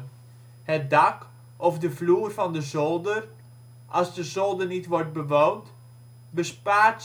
het dak (of de vloer van de zolder, als de zolder niet wordt bewoond) bespaart ca.